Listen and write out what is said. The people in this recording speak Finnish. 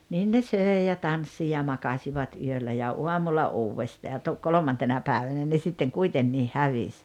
niin ne söi ja tanssi ja makasivat yöllä ja aamulla uudestaan ja - kolmantena päivänä ne sitten kuitenkin hävisi